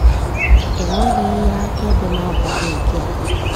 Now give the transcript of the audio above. E nweghị ihe akaebe na-akwado nke a.